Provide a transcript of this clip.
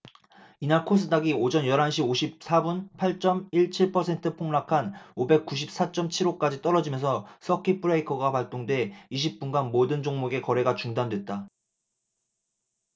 이날 코스닥이 오전 열 한 시 오십 사 분 팔 쩜 일 칠 퍼센트 폭락한 오백 구십 사 쩜 칠 오 까지 떨어지면서 서킷 브레이커가 발동돼 이십 분간 모든 종목의 거래가 중단됐다